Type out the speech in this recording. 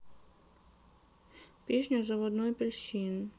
песня заводной апельсин